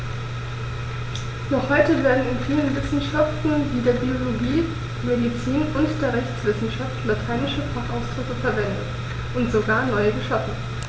Noch heute werden in vielen Wissenschaften wie der Biologie, der Medizin und der Rechtswissenschaft lateinische Fachausdrücke verwendet und sogar neu geschaffen.